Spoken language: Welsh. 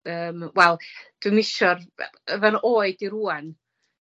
yym wel, dwi'm isio'r fe- fy'n oed i rŵan